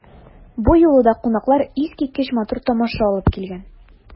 Бу юлы да кунаклар искиткеч матур тамаша алып килгән.